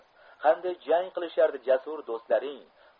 qanday jang qilishardi jasur do'stlaring